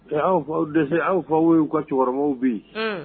Cɛ aw faw dɛsɛra aw fa ka cɛkɔrɔbaw bɛ yen, unhun